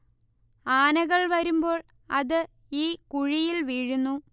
ആനകൾ വരുമ്പോൾ അത് ഈ കുഴിയിൽ വീഴുന്നു